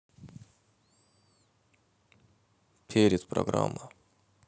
перед программа